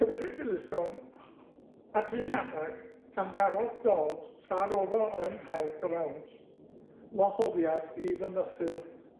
Cyfeiriodd at un adag pan gafodd Dodd, tra ro'dd o yng Nghaergrawnt wahoddiad i fynychu